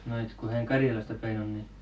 että noin että kun hän Karjalasta päin on niin